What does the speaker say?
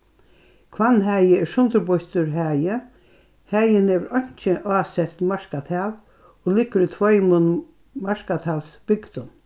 hvannhagi er sundurbýttur hagi hagin hevur einki ásett markatal og liggur í tveimum markatalsbygdum